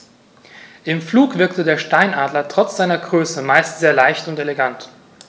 Im Flug wirkt der Steinadler trotz seiner Größe meist sehr leicht und elegant.